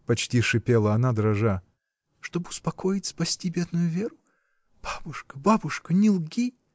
— почти шипела она, дрожа, — чтоб успокоить, спасти бедную Веру? Бабушка, бабушка, не лги!